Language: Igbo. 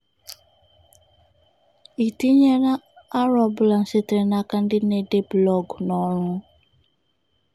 Ị tinyela aro ọbụla sitere n'aka ndị na-ede blọọgụ n'ọrụ?